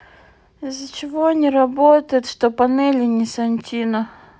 из за чего не работает что панели не сантино